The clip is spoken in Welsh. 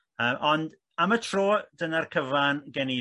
i drafod y ffilm gyda chi ond am y tro dyna'r cyfan gen i